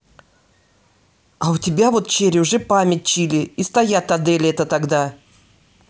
а у тебя вот черри уже память чили и стоят аделия то тогда